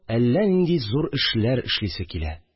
Әллә нинди зур эшләр эшлисе килә